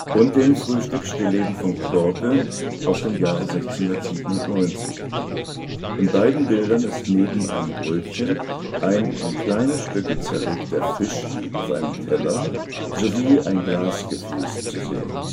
und dem Frühstücksstillleben von Coorte aus dem Jahr 1697. In beiden Bildern ist neben einem Brötchen ein in kleine Stücke zerlegter Fisch auf einem Teller sowie ein Glasgefäß zu sehen